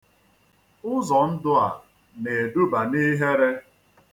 Ụzọ ndụ a na-eduba n'ihere.